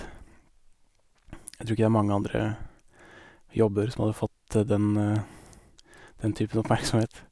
Jeg trur ikke det er mange andre jobber som hadde fått den den typen oppmerksomhet.